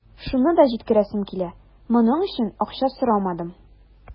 Шуны да җиткерәсем килә: моның өчен акча сорамадым.